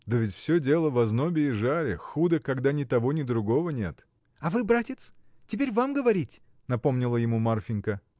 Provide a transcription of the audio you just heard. — Да ведь всё дело в ознобе и жаре: худо, когда ни того ни другого нет. — А вы, братец? теперь вам говорить! — напомнила ему Марфинька.